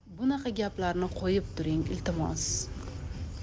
bunaqa gaplarni qo'yib turing iltimos